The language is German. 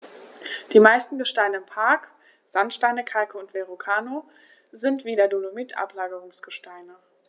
Die meisten Gesteine im Park – Sandsteine, Kalke und Verrucano – sind wie der Dolomit Ablagerungsgesteine.